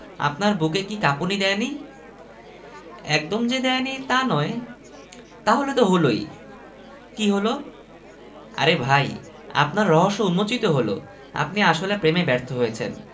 আপনার বুকে কি কাঁপুনি দেয়নি একদম যে দেয়নি তা নয় তাহলে তো হলোই কী হলো আরে ভাই আপনার রহস্য উম্মোচিত হলো আপনি আসলে প্রেমে ব্যর্থ হয়েছেন